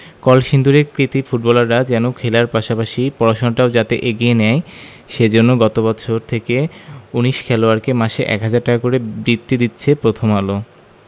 কলসিন্দুরের কৃতী ফুটবলাররা যেন খেলার পাশাপাশি পড়াশোনাটাও যাতে এগিয়ে নেয় সে জন্য গত বছর থেকে ১৯ খেলোয়াড়কে মাসে ১ হাজার টাকা করে বৃত্তি দিচ্ছে প্রথম আলো